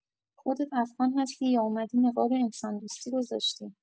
خودت افغان هستی یا اومدی نقاب انساندوستی گذاشتی؟